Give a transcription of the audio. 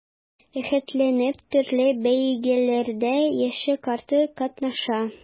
Рәхәтләнеп төрле бәйгеләрдә яше-карты катнаша.